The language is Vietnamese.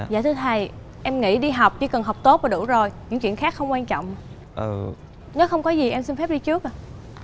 dạ thưa thầy em nghĩ đi học chỉ cần học tốt là đủ rồi những chuyện khác không quan trọng nếu không có gì em xin phép đi trước ạ